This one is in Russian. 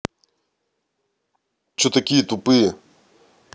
че такие тупые